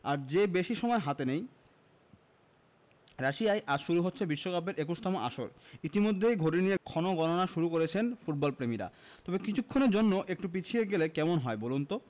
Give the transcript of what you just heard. আর যে বেশি সময় হাতে নেই রাশিয়ায় আজ শুরু হচ্ছে বিশ্বকাপের ২১তম আসর ইতিমধ্যেই ঘড়ি নিয়ে ক্ষণগণনা শুরু করেছেন ফুটবলপ্রেমীরা তবে কিছুক্ষণের জন্য একটু পিছিয়ে গেলে কেমন হয় বলুন তো